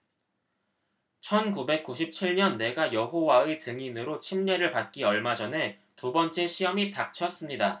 천 구백 구십 칠 년 내가 여호와의 증인으로 침례를 받기 얼마 전에 두 번째 시험이 닥쳤습니다